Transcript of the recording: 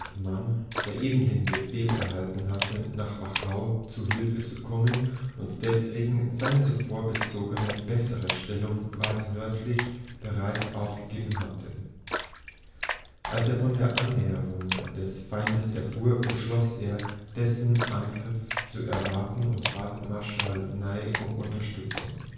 Mann, der eben den Befehl erhalten hatte, nach Wachau zu Hilfe zu kommen, und deswegen seine zuvor bezogene, bessere Stellung weiter nördlich bereits aufgegeben hatte. Als er von der Annäherung des Feindes erfuhr, beschloss er, dessen Angriff zu erwarten, und bat Marschall Ney um Unterstützung